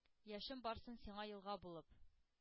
Яшем барсын сиңа елга булып,